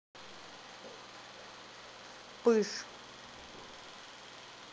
пыж